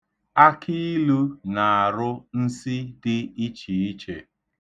Akiilu na-arụ nsi dị ichiiche.